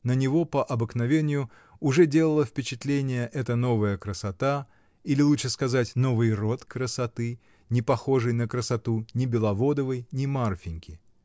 На него, по обыкновению, уже делала впечатление эта новая красота, или, лучше сказать, новый род красоты, не похожий на красоту ни Беловодовой, ни Марфиньки.